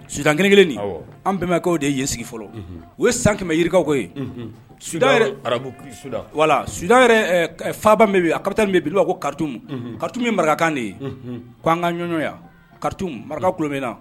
Su kelen kelen an bɛnkɛ de ye sigi fɔlɔ o ye san kɛmɛmɛ yirikawko ye suda arabu wala su fa min a bɛ bi'a ka ka min marakakan de ye k' an ka ɲɔnɲya ka maraka ku min na